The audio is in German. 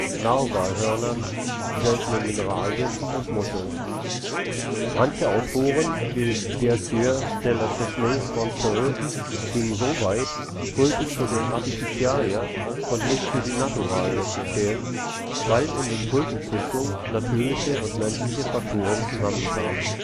Narwalhörnern, seltenen Mineralien und Muscheln. Manche Autoren wie der Sieur de La Chesnée Monstereul gingen soweit, die Tulpe zu den artificialia und nicht zu den naturalia zu zählen, weil in den Tulpenzüchtungen natürliche und menschliche Faktoren zusammenkamen